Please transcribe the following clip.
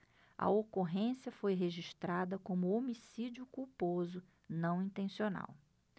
a ocorrência foi registrada como homicídio culposo não intencional